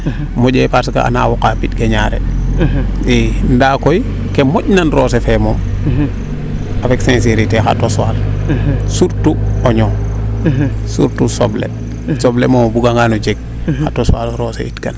moƴo parce que ana woqa pind ke ñaare i ndaa koy ken moƴna roose fee moom avec sincerité xa tosoo surtout oignon sutout soble soble moom o buga ngaano jeg a tos o roose it kan